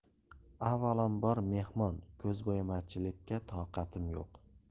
avvalambor mehmon ko'zbo'yamachilikka toqatim yo'q